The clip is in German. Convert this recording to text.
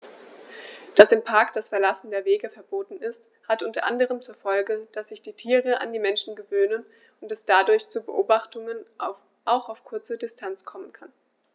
Dass im Park das Verlassen der Wege verboten ist, hat unter anderem zur Folge, dass sich die Tiere an die Menschen gewöhnen und es dadurch zu Beobachtungen auch auf kurze Distanz kommen kann.